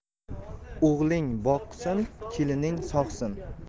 o'g'ling boqsin kelining sog'sin